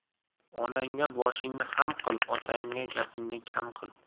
onangga boshingni xam qil otangga gapingni kam qil